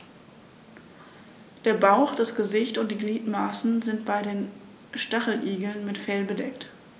Der Bauch, das Gesicht und die Gliedmaßen sind bei den Stacheligeln mit Fell bedeckt.